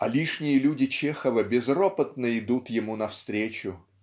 А лишние люди Чехова безропотно идут ему навстречу.